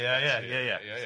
Ie ie ie ie ie.